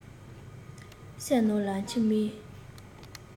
སེམས ནང ལ མཆི མའི